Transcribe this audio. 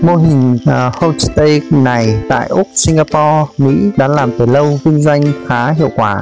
mô hình homestay này tại úc singapore mỹ đã làm từ lâu kinh doanh khá hiệu quả